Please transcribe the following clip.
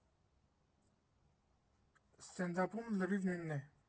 Ստենդափում լրիվ նույնն է։